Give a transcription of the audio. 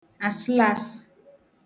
àslaàsi